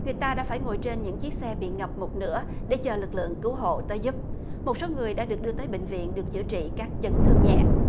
người ta đã phải ngồi trên những chiếc xe bị ngập một nửa để chờ lực lượng cứu hộ tới giúp một số người đã được đưa tới bệnh viện được chữa trị các chấn thương nhẹ